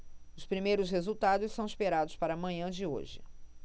os primeiros resultados são esperados para a manhã de hoje